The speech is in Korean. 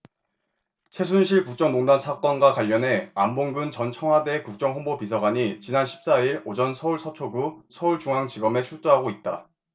최순실 국정농단 사건과 관련해 안봉근 전 청와대 국정홍보비서관이 지난 십 사 일 오전 서울 서초구 서울중앙지검에 출두하고 있다